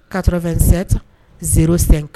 Katɔfɛnsɛ z sen kan